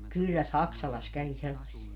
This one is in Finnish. kyllä Saksalassa kävi sellaisia